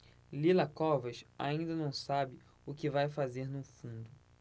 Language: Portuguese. lila covas ainda não sabe o que vai fazer no fundo